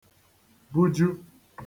buju